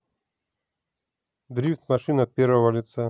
дрифт машины от первого лица